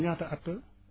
ñaata at